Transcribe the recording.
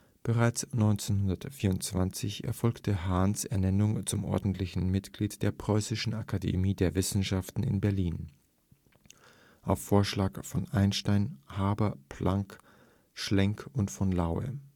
Bereits 1924 erfolgte Hahns Ernennung zum Ordentlichen Mitglied der Preußischen Akademie der Wissenschaften in Berlin (auf Vorschlag von Einstein, Haber, Planck, Schlenk und von Laue